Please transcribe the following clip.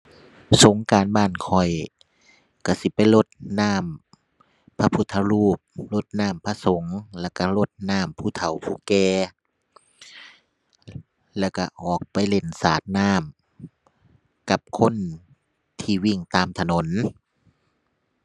สงกรานต์บ้านข้อยก็สิไปรดน้ำพระพุทธรูป รดน้ำพระสงฆ์ แล้วก็รดน้ำผู้เฒ่าผู้แก่ แล้วก็ออกไปเล่นสาดน้ำกับคนที่วิ่งตามถนน